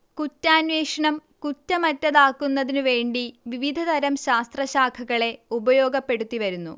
കുറ്റാന്വേഷണം കുറ്റമറ്റതാക്കുന്നതിന് വേണ്ടി വിവിധതരം ശാസ്ത്രശാഖകളെ ഉപയോഗപ്പെടുത്തിവരുന്നു